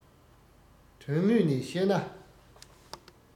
དོན དངོས ནས གཤས ན